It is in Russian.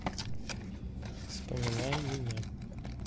вспоминай меня